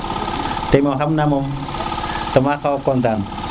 tey xamna mom dama xawa content